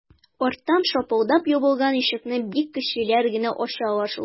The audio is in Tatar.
Арттан шапылдап ябылган ишекне бик көчлеләр генә ача ала шул...